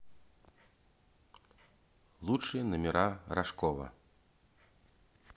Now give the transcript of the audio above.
лучшие номера рожкова